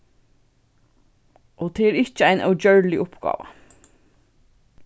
og tað er ikki ein ógjørlig uppgáva